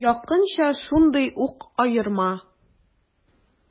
Якынча шундый ук аерма.